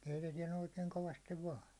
keitetään oikein kovasti vain